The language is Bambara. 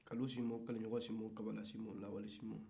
kanusinbon kanuɲɔgɔnsinbon kabalasinbon lawalesinbon